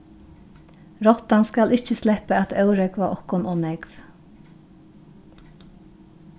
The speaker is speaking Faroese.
rottan skal ikki sleppa at órógva okkum ov nógv